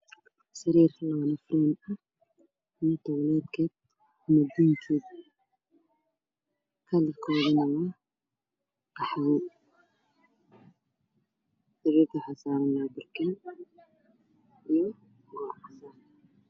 Waa sariir iyo tawleedkeeda iyo koobadiin. Kalarkoodu waa qaxwi. Sariirta waxaa saaran barkin wayn oo casa.